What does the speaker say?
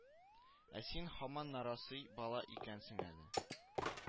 Ә син һаман нарасый бала икәнсең әле